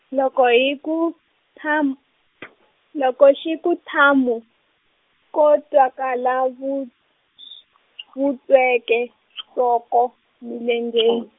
loko hiku tham- , loko xi ku thamu, ko twakala vuts- vutsweke tswoke milengeni.